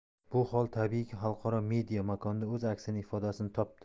bu hol tabiiyki xalqaro media makonda o'z aksini ifodasini topdi